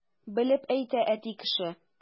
Белеп әйтә әти кеше!